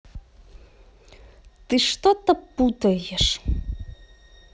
ты что то путаешь